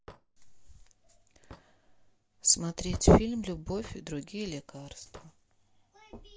смотреть фильм любовь и другие лекарства